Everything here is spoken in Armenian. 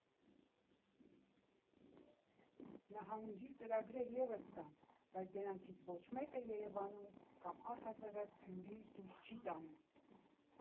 Նահանջի ծրագրեր ևս կան, բայց դրանցից ոչ մեկը Երևան կամ, առհասարակ, Գյումրիից դուրս չի տանում։